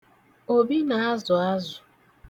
Obi na-azụ azu.